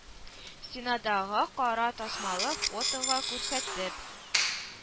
Стенадагы кара тасмалы фотога күрсәтеп